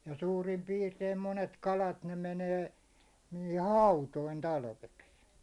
ja suurin piirtein monet kalat ne menee niihin hautoihin talveksi